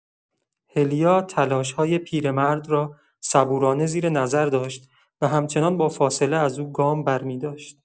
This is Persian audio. هلیا تلاش‌های پیرمرد را صبورانه زیر نظر داشت و همچنان با فاصله از او گام برمی‌داشت.